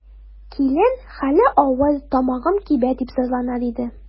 Килен: хәле авыр, тамагым кибә, дип зарлана, диде.